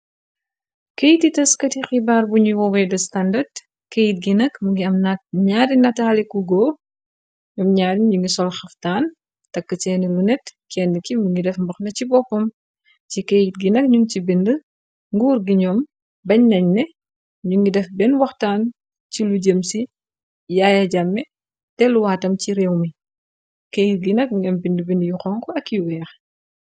Keytitas kati xibaar buñuy wowee de standard keyit gi nak mu ngi am añaari nataali ku góor ñoom ñaari ñu ngi sol xaftaan takk senni lu nett kenn ki mu ngi def mbaxna ci boppam ci keyit gi nag ñun ci bind nguur gi ñoom bañ nañ ne ñu ngi daf benn waxtaan ci lu jem ci yaaye jamme teluwaatam ci réew mi keyit gi nak mungi am bind bind yu xonku ak yu weexe.